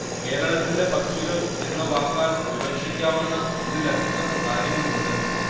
കേരളത്തിലെ പക്ഷികൾ എന്ന വാക്കാൽ വിവക്ഷിക്കാവുന്ന ഒന്നിലധികം കാര്യങ്ങളുണ്ട്